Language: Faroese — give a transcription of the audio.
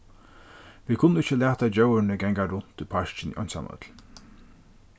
vit kunnu ikki lata djórini ganga runt í parkini einsamøll